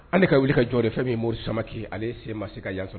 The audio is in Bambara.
Ale ka wuli ka jɔ de fɛn min'o samama kɛ ale se ma se ka ya sɔrɔ